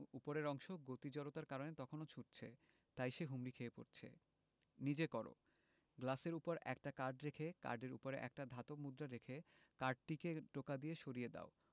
ওপরের অংশ গতি জড়তার কারণে তখনো ছুটছে তাই সে হুমড়ি খেয়ে পড়ছে গ্লাসের উপর একটা কার্ড রেখে কার্ডের উপর একটা ধাতব মুদ্রা রেখে কার্ডটিকে টোকা দিয়ে সরিয়ে দাও